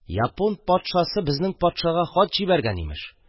Япун патшасы безнең патшага хат җибәргән, имеш.